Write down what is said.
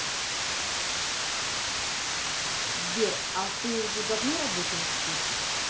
сбер а ты уже давно работаешь здесь